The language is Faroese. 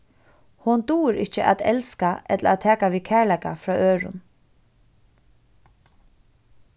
hon dugir ikki at elska ella at taka við kærleika frá øðrum